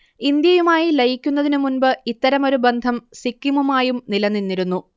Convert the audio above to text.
ഇന്ത്യയുമായി ലയിക്കുന്നതിനു മുൻപ് ഇത്തരമൊരു ബന്ധം സിക്കിമുമായും നിലനിന്നിരുന്നു